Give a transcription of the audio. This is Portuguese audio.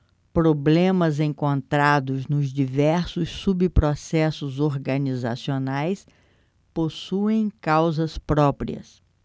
problemas encontrados nos diversos subprocessos organizacionais possuem causas próprias